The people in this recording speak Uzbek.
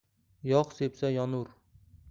yog' sepsa yonur